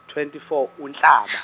twenty four uNhlaba.